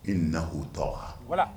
I na h tɔw